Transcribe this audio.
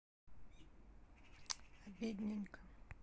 обидненько